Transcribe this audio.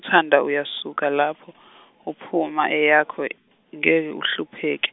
thanda uyasuka lapho uphuma eyakho ngeke uhlupheke.